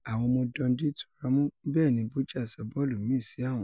Àwọn ọmọ Dundee túnramú. Bẹ́ẹ̀ ni Bouchard sọ bọ́ọ̀lù míì sí àwọ̀n.